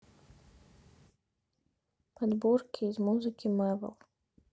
подборки из музыки мэвл